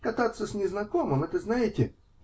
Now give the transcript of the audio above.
-- Кататься с незнакомым -- это, знаете.